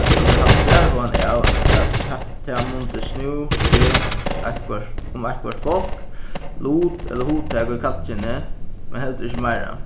høvdu okur havt varhugan av at tað mundi snúð seg um eitthvørt fólk lut ella hugtak í kallkyni men heldur ikki meira